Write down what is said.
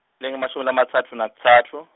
lengemashumi lamatsatfu, nakutsatfu.